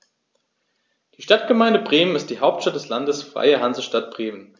Die Stadtgemeinde Bremen ist die Hauptstadt des Landes Freie Hansestadt Bremen.